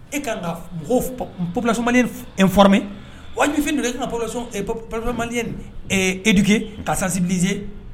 E ka kan ka po population malienne informée wajibu fin don e ka kan ka popilation malienne éduquée ka sensibilisée .